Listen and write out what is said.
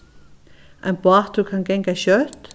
ein bátur kann ganga skjótt